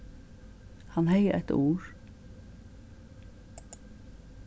hann hevði eitt ur